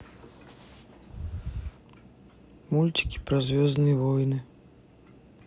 мультики про звездные войны